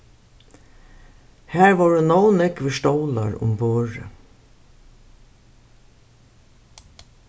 har vóru nóg nógvir stólar um borðið